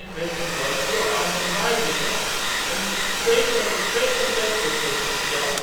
werd ontworpen door Anton Weidinger en deze heeft twee trompetconcerten besteld